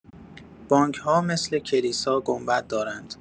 بانک‌ها مثل کلیسا گنبد دارند.